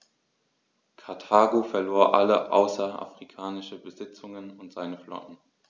Karthago verlor alle außerafrikanischen Besitzungen und seine Flotte.